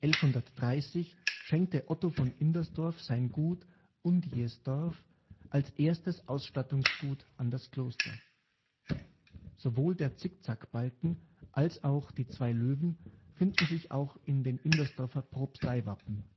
(Undersdorf); 1130 schenkte Otto von Indersdorf sein Gut „ Undiesdorf “als erstes Ausstattungsgut an das Kloster. Sowohl der Zickzackbalken als auch die zwei Löwen finden sich auch in den Indersdorfer Propsteiwappen